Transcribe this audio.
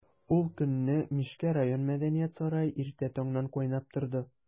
Ул көнне Мишкә район мәдәният сарае иртә таңнан кайнап торды.